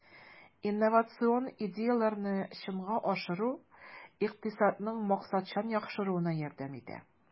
Инновацион идеяләрне чынга ашыру икътисадның максатчан яхшыруына ярдәм итә.